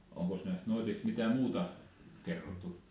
onkos näistä noidista mitään muuta kerrottu